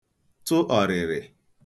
tụ ọ̀rị̀rị̀